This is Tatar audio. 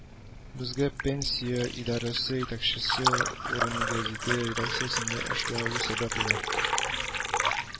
Безгә пенсия идарәсе итәкчесе урынгәзите редакциясендә эшләү сәбәпле